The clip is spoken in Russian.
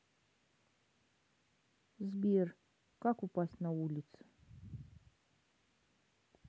сбер как упасть на улице